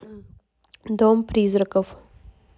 дом призраков